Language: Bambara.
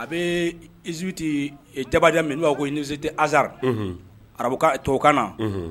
A bee Egypte e Jabajame n'u b'a fɔ ko université hasard unhun arabukan e tuwawukan na unhun